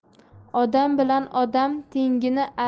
odam bilan odam tengmi